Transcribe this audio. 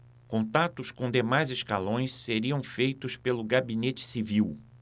contatos com demais escalões seriam feitos pelo gabinete civil